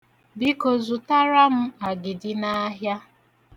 Biko zụtara m agidi n'ahịa.